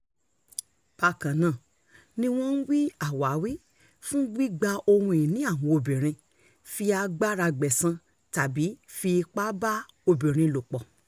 Bákan náà ni wọ́n ń wí àwáwí fún gbígba ohun ìní àwọn obìnrin, fi agbára gbẹ̀san tàbí fi ipá bá obìnrin lò pọ̀.